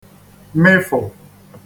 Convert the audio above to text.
mịfụ̀